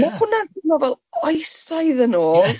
Ma' hwnna'n timlo fel oesodd yn ôl,